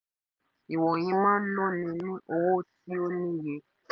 Ìwọ̀nyìí máa ń náni ní owó tí ó níye.